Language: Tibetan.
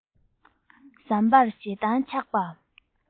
ཟམ པར ཞེ འདང བཞག པ